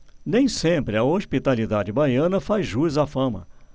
nem sempre a hospitalidade baiana faz jus à fama